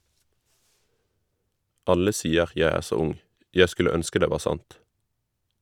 Alle sier jeg er så ung, jeg skulle ønske det var sant.